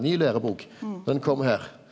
ny lærebok, den kjem her.